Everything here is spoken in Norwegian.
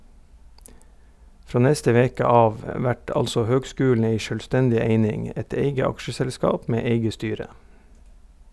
Frå neste veke av vert altså høgskulen ei sjølvstendig eining, eit eige aksjeselskap med eige styre.